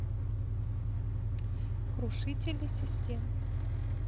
крушители систем